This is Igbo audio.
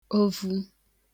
ovu